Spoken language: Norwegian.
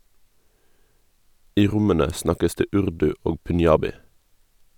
I rommene snakkes det urdu og punjabi.